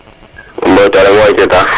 *